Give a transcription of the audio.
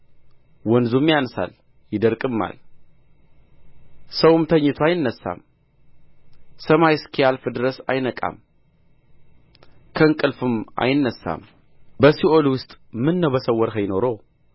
ወንዙም ያንሳል ይደርቅማል ሰውም ተኝቶ አይነሣም ሰማይ እስኪያልፍ ድረስ አይነቃም ከእንቅልፉም አይነሣም በሲኦል ውስጥ ምነው በሰወርኸኝ ኖሮ